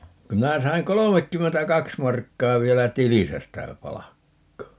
kun minä sain kolmekymmentäkaksi markkaa vielä tilissä sitä palkkaa